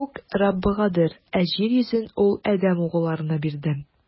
Күк - Раббыгадыр, ә җир йөзен Ул адәм угылларына бирде.